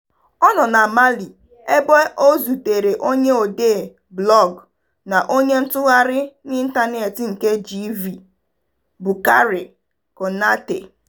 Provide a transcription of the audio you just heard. Ọ nọ na Mali ebe ọ zutere onye odee blọọgụ na onye ntụgharị n'ịntanetị nke GV, Boukary Konaté.